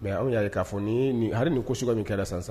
Mais anw y'a ye k'a fɔ ni ye nin hari nin ko suguya min kɛra sisan-sisan